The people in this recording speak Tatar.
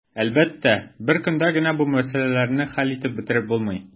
Әлбәттә, бер көндә генә бу мәсьәләләрне хәл итеп бетереп булмый.